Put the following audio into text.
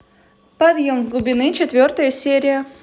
подъем с глубины четвертая серия